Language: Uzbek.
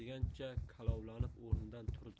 degancha kalovlanib o'rnidan turdi